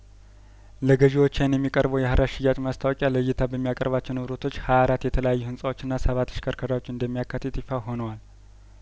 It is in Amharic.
ለገዢዎች አይን የሚቀርበው የሀራጅ ሽያጭ ማስታወቂያ ለእይታ በሚያቀርባቸው ንብረቶች ሀያአራት የተለያዩ ህንጻዎችና ሰባ ተሽከርካሪዎች እንደሚያካትት ይፋ ሆኗል